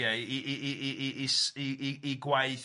Ia i i i i i s- i i 'i gwaith,